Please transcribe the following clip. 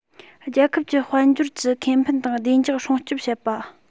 རྒྱལ ཁབ ཀྱི དཔལ འབྱོར གྱི ཁེ ཕན དང བདེ འཇགས སྲུང སྐྱོང བྱེད པ